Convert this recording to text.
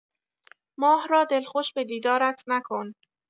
ماه را دلخوش به دیدارت نکن